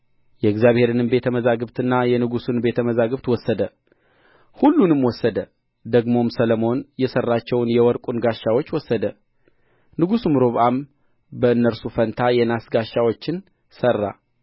የእግዚአብሔርንም ቤት መዛግብትና የንጉሡን ቤት መዛግብት ወሰደ ሁሉንም ወሰደ ደግሞም ሰሎሞን የሠራቸውን የወርቁን ጋሻዎች ወሰደ ንጉሡም ሮብዓም በእነርሱ ፋንታ የናስ ጋሻዎችን ሠራ